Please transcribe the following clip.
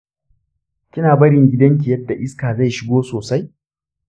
kina barin gidanki yadda iska zai shiga sosai?